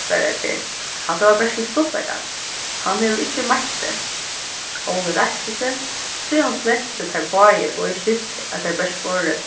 svaraði per hatta var bert til stuttleika hann hevur ikki meitt seg óli reisti seg síðani flentu teir báðir og eg skilti at teir bert vóru